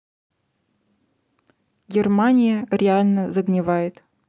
германия реально загнивает